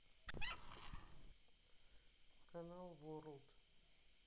канал ворлд